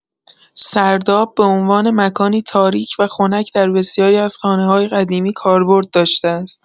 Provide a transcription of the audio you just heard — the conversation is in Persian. سرداب به عنوان مکانی تاریک و خنک در بسیاری از خانه‌های قدیمی کاربرد داشته است.